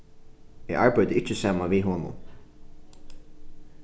eg arbeiddi ikki saman við honum